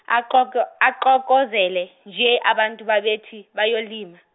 axoko- axokozele nje abantu babethi bayolima.